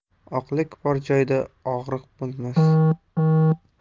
oqlik bor joyda og'riq bo'lmas